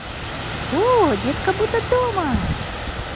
ооо детка будто дома